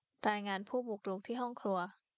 รายงานผู้บุกรุกที่ห้องครัว